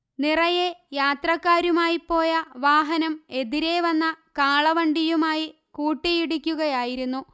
നിറയെ യാത്രക്കാരുമായി പോയ വാഹനം എതിരെ വന്ന കാളവണ്ടിയുമായി കൂട്ടിയിടിക്കുകയായിരുന്നു